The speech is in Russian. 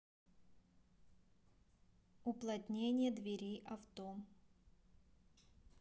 уплотнение дверей авто